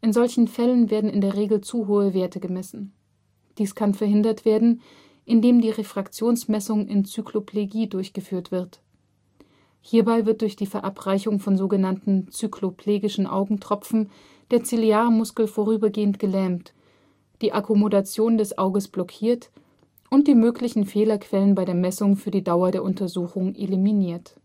solchen Fällen werden in der Regel zu hohe Werte gemessen. Dies kann verhindert werden, indem die Refraktionsmessung in Zykloplegie durchgeführt wird. Hierbei wird durch die Verabreichung von sogenannten „ zykloplegischen “Augentropfen der Ziliarmuskel vorübergehend gelähmt, die Akkommodation des Auges blockiert und die möglichen Fehlerquellen bei der Messung für die Dauer der Untersuchung eliminiert